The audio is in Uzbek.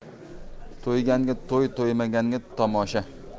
to'yganga to'y to'ymaganga tomosha